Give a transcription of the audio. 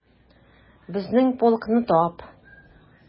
Безнең полкны тап...